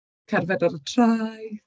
Cerdded ar y traeth... neis